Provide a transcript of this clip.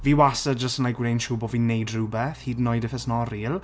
Fi wastad jyst yn like gwneud yn siŵr bod fi'n wneud rhywbeth, hyd yn oed if it's not real.